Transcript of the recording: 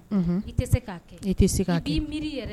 Unhun. I tɛ se ka kɛ. I tɛ se ka kɛ. I b'i miri yɛrɛ.